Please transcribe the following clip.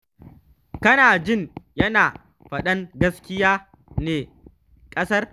“Kana jin yana faɗan gaskiya ne ga ƙasar?